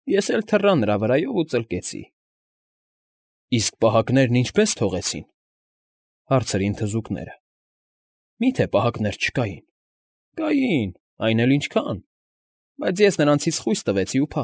Ես էլ թռա վրայով ու ծլկեցի։ ֊ Իսկ պահակներն ինչպե՞ս թողեցին,֊ հարցրին թզուկները։֊ Մի՞թե պահակներ չկային։ ֊ Կային… Այն էլ ինչքա՜ն… Բայց ես նրանցից խույս տվեցի և։